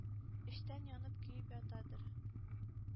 Эчтән янып-көеп ятадыр...»